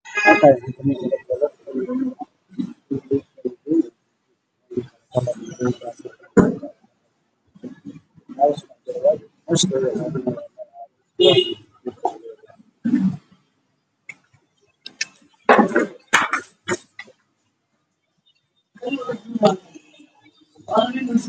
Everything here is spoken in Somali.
Waa iskifaalo saran yahay